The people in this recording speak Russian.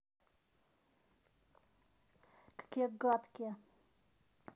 какие гадкие